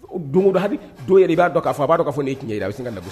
Don o don hali don yɛrɛ i b'a dɔn k'a b'a dɔn k'a fɔ nin ye tiɲɛ yɛrɛ ye a bɛ sin ka na